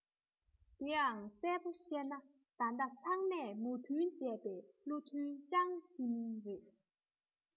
དེའང གསལ པོ བཤད ན ད ལྟ ཚང མས མོས མཐུན བྱས པའི བློ ཐུན ཅང ཙེ མིང རེད